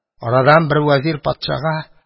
Арадан бер вәзир патшага